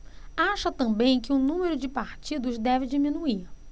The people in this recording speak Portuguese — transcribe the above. acha também que o número de partidos deve diminuir